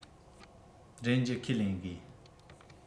འདྲེན རྒྱུ ཁས ལེན དགོས